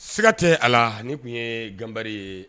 Siga tɛ a la, nin tun ye Jɔnbɛr ye